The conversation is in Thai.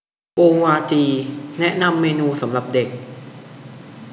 โกวาจีแนะนำเมนูสำหรับเด็ก